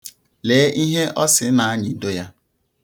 Lee ihe ọ sị na-anyịdo ya.